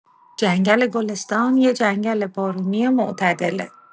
جنگل گلستان یه جنگل بارونی معتدله.